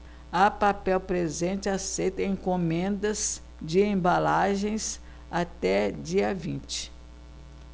a papel presente aceita encomendas de embalagens até dia vinte